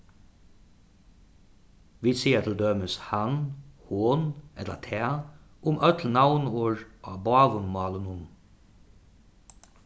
vit siga til dømis hann hon ella tað um øll navnorð á báðum málunum